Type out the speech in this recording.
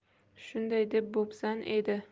shunday deb bo'psan edi